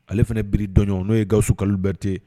Ale fana bi dɔnɔn n'o ye gasuka berete